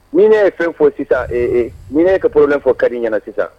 Min ye fɛn fɔ sisan ee ee ni kaorolen fɔ ka karidi ɲɛna sisan